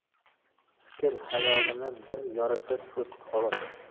fikr xayolini bir yoritib o'tdi xolos